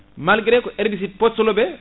malgré ko herbicide postelevé